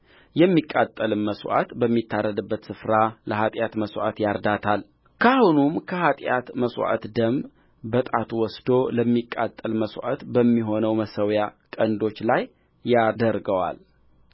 የሚቃጠልም መሥዋዕት በሚታረድበት ስፍራ ለኃጢአት መሥዋዕት ያርዳታል ካህኑም ከኃጢአት መሥዋዕት ደም በጣቱ ወስዶ ለሚቃጠል መሥዋዕት በሚሆነው መሠዊያ ቀንዶች ላይ ያደርገዋል